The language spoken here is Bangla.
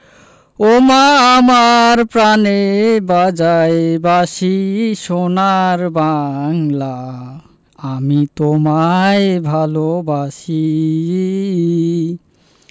ওমা আমার প্রানে বাজায় বাঁশি সোনার বাংলা আমি তোমায় ভালোবাসি